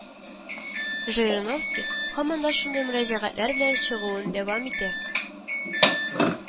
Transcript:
Жириновский һаман да шундый мөрәҗәгатьләр белән чыгуын дәвам итә